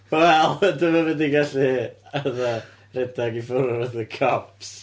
Wel, dwi'm yn mynd i gallu, fatha, redeg i ffwrdd oddi wrth y cops.